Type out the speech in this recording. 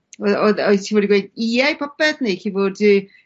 wel oedd oeddet ti wedi gweud ie i popeth neu chi fod i